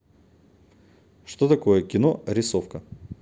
что такое кино рисовка